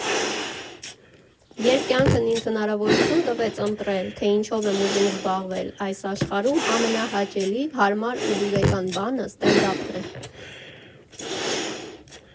Երբ կյանքն ինձ հնարավորություն տվեց ընտրել, թե ինչով եմ ուզում զբաղվել, այս աշխարհում ամենահաճելի, հարմար ու դուրեկան բանը ստենդափն էր։